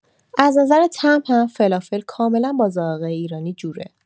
از نظر طعم هم، فلافل کاملا با ذائقه ایرانی جوره.